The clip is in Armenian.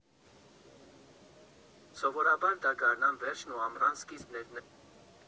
֊ Սովորաբար դա գարնան վերջն ու ամռան սկիզբն էր։